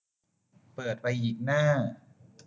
เปิดไปอีกหน้า